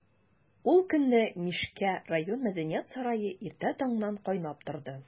Ул көнне Мишкә район мәдәният сарае иртә таңнан кайнап торды.